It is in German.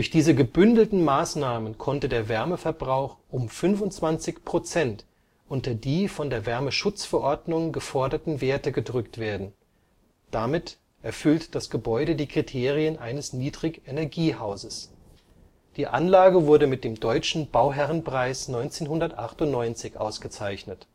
diese gebündelten Maßnahmen konnte der Wärmeverbrauch um 25 Prozent unter die von der Wärmeschutzverordnung geforderten Werte gedrückt werden, damit erfüllt das Gebäude die Kriterien eines Niedrigenergiehauses. Die Anlage wurde mit dem Deutschen Bauherrenpreis 1998 ausgezeichnet